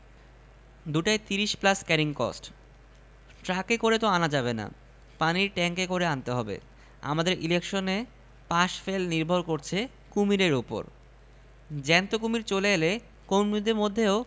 আপনি পত্র পাওয়ামাত্র নিচের ঠিকানায় আরো কুড়ি হাজার পাঠিয়ে দেবেন মনে সাহস রাখবেন আমাদের বিজয় নিশ্চিত জয় কুমীর আর্টিস্ট পঞ্চাশ টাকার গাঁজা